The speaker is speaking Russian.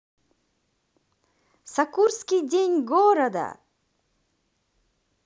сокурский день города